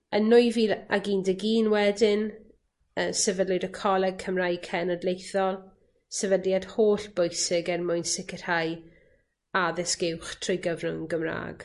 Yn nwy fil ag un deg un wedyn yy sefydlwyd y Coleg Cymraeg Cenedlaethol, sefydliad hollbwysig er mwyn sicirhau addysg uwch trwy gyfrwng Gymra'g.